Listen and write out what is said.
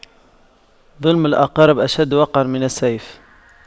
ظلم الأقارب أشد وقعا من السيف